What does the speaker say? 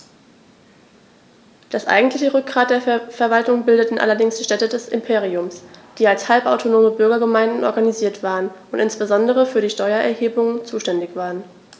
Das eigentliche Rückgrat der Verwaltung bildeten allerdings die Städte des Imperiums, die als halbautonome Bürgergemeinden organisiert waren und insbesondere für die Steuererhebung zuständig waren.